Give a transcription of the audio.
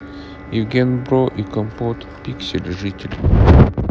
евген бро и компот пиксель житель